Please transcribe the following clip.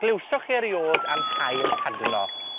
glywsoch chi eriôd am Haul Cadno?